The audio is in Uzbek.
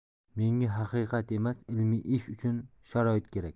menga haqiqat emas ilmiy ish uchun sharoit kerak